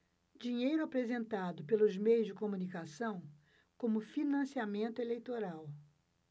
dinheiro apresentado pelos meios de comunicação como financiamento eleitoral